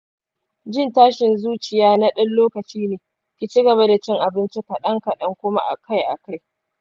jin tashin zuciya na ɗan lokaci ne; ki cigaba da cin abinci kaɗan kaɗan kuma akai-akai.